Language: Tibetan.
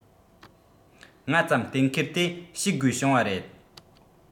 སྔ ཙམ གཏན འཁེལ དེ བཤིག དགོས བྱུང བ རེད